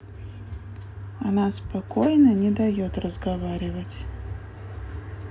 она спокойно не дает разговаривать